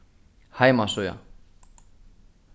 heimasíða